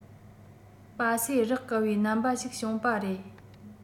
སྤ སེ རག དཀའ བའི རྣམ པ ཞིག བྱུང བ རེད